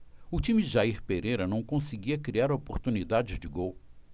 o time de jair pereira não conseguia criar oportunidades de gol